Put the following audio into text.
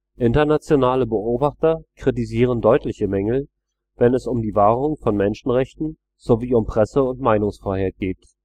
Internationale Beobachter kritisieren deutliche Mängel, wenn es um die Wahrung von Menschenrechten sowie um Presse - und Meinungsfreiheit geht